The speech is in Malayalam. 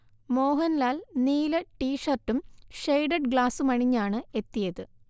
മോഹൻലാൽ നീല ടീഷർട്ടും ഷെയ്ഡഡ് ഗ്ലാസും അണിഞ്ഞാണ് എത്തിയത്